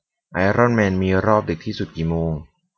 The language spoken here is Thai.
ไอรอนแมนมีรอบดึกที่สุดกี่โมง